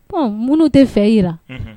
Minnu tɛ fɛ yi la